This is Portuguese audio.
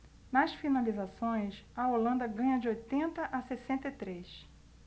nas finalizações a holanda ganha de oitenta a sessenta e três